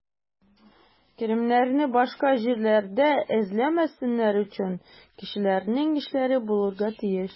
Керемнәрне башка җирләрдә эзләмәсеннәр өчен, кешеләрнең эшләре булырга тиеш.